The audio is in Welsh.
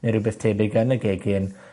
ne' rwbeth tebyg yn y gegin,